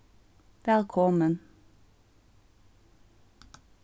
vælkomin